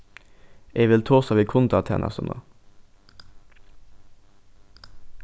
eg vil tosa við kundatænastuna